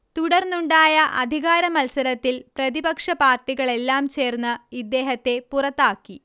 തുടർന്നുണ്ടായ അധികാരമത്സരത്തിൽ പ്രതിപക്ഷ പാർട്ടികളെല്ലാം ചേർന്ന് ഇദ്ദേഹത്തെ പുറത്താക്കി